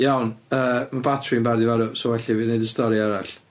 Iawn, yy ma' batri yn barod i farw, so well i fi neud y stori arall.